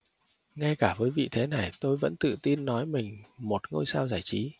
ngay cả với vị thế này tôi vẫn tự tin nói mình một ngôi sao giải trí